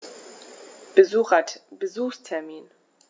Besuchstermin